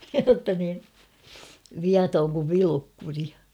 jotta niin viaton kuin Vilukkuri